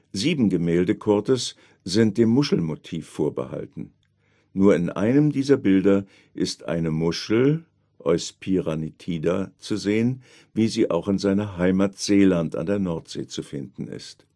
Sieben Gemälde Coortes sind dem Muschelmotiv vorbehalten. Nur in einem dieser Bilder ist eine Muschel (Euspira nitida) zu sehen, wie sie auch in seiner Heimat Zeeland an der Nordsee zu finden ist